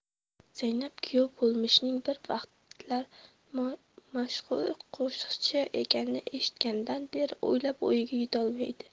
zaynab kuyov bo'lmishning bir vaqtlar mashhur qo'shiqchi ekanini eshitganidan beri o'ylab o'yiga yetolmaydi